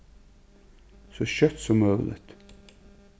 so skjótt sum møguligt